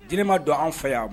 Di ma don an fɛ yan